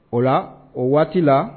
O la, o waati la